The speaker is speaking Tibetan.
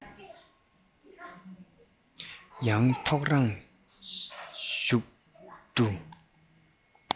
ཡང ཐོག རང ཤག ཏུ